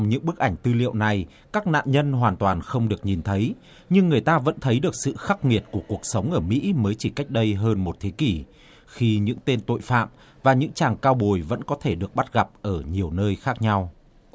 những bức ảnh tư liệu này các nạn nhân hoàn toàn không được nhìn thấy nhưng người ta vẫn thấy được sự khắc nghiệt của cuộc sống ở mỹ mới chỉ cách đây hơn một thế kỷ khi những tên tội phạm và những chàng cao bồi vẫn có thể được bắt gặp ở nhiều nơi khác nhau